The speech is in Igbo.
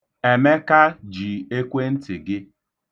Emeka ji ekwentị gị.